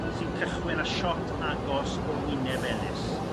sy'n cychwyn â siot agos o wyneb Elis.